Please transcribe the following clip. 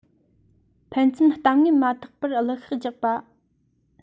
ཕན ཚུན གཏམ ནད མ ཐེག པར གླུ ཤགས རྒྱག པ